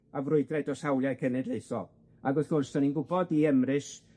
a frwydrau dros hawliau cenedlaethol ac wrth gwrs 'dan ni'n gwbod i Emrys